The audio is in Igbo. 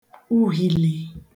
uhìlì